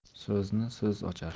so'zni so'z ochar